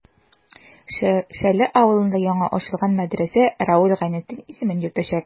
Шәле авылында яңа ачылган мәдрәсә Равил Гайнетдин исемен йөртәчәк.